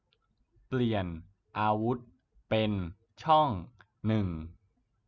เปลี่ยนอาวุธเป็นช่องหนึ่ง